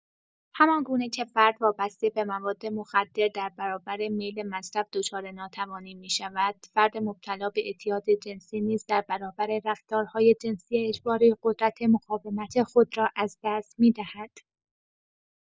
همان‌گونه که فرد وابسته به مواد مخدر در برابر میل مصرف دچار ناتوانی می‌شود، فرد مبتلا به اعتیاد جنسی نیز در برابر رفتارهای جنسی اجباری قدرت مقاومت خود را از دست می‌دهد.